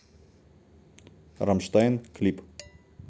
rammstein клип